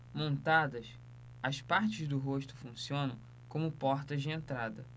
montadas as partes do rosto funcionam como portas de entrada